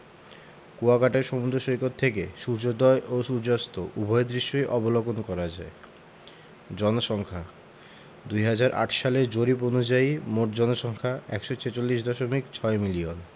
কুয়াকাটা সমুদ্র সৈকত থেকে সূর্যোদয় ও সূর্যাস্ত উভয় দৃশ্যই অবলোকন করা যায় জনসংখ্যাঃ ২০০৮ এর জরিপ অনুযায়ী মোট জনসংখ্যা ১৪৬দশমিক ৬ মিলিয়ন